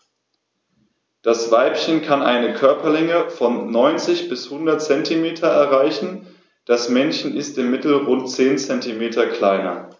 Das Weibchen kann eine Körperlänge von 90-100 cm erreichen; das Männchen ist im Mittel rund 10 cm kleiner.